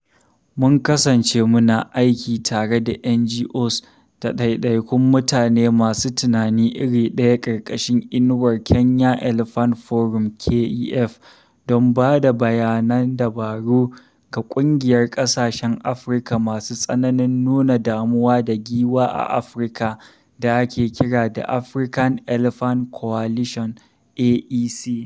Mun kasance muna aiki tare da NGOs da ɗaiɗaikun mutane masu tunani iri ɗaya ƙarƙashin inuwar Kenya Elephant Forum (KEF), don ba da bayanan dabaru ga ƙungiyar ƙasashen Afirka masu tsananin nuna damuwa da giwa a Afirka, da ake kira da African Elephant Coalition (AEC).